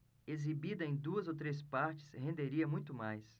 exibida em duas ou três partes renderia muito mais